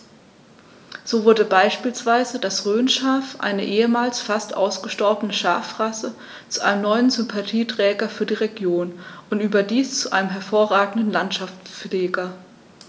So wurde beispielsweise das Rhönschaf, eine ehemals fast ausgestorbene Schafrasse, zu einem neuen Sympathieträger für die Region – und überdies zu einem hervorragenden Landschaftspfleger.